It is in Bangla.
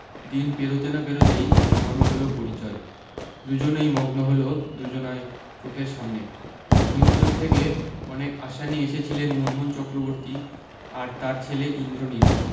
দিন পেরতে না পেরতেই ঘন হল পরিচয় দুজনেই মগন হল দু জনায় চোখের সামনে হিউস্টন থেকে অনেক আশা নিয়ে এসেছিলেন মুনমুন চক্রবর্তী আর তার ছেলে ইন্দ্রনীল